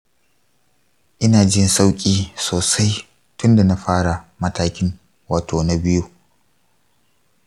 ina jin sauƙi sosai tun da na fara matakin wata na biyu.